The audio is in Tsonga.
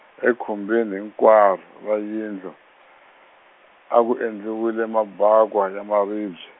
ekhumbini hinkwaro ra yindlu, a ku endliwile mabakwa hi maribye.